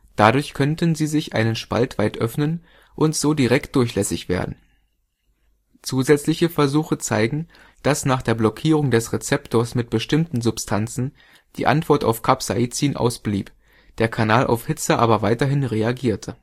Dadurch könnten sie sich einen Spalt weit öffnen und so direkt durchlässig werden. Zusätzliche Versuche zeigten, dass nach der Blockierung des Rezeptors mit bestimmten Substanzen die Antwort auf Capsaicin ausblieb, der Kanal auf Hitze aber weiterhin reagierte